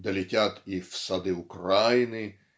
долетят и "в сады Украины